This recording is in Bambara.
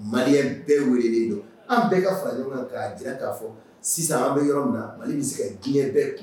Maliyɛn bɛɛ welelen don an bɛɛ ka fara ɲɔgɔn kan ka Tereta fo, sisan an bɛ yɔrɔ min na Mali bɛ se ka diɲɛ bɛɛ kun